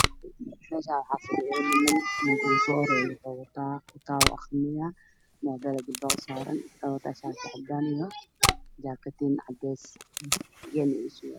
Meeshaan waxaa fadhiyo niman midka soo horeyo wuxuu aqrinayaa kitaab moobeel baa jilbaha usaran wuxuu wataa shaati cadaan ah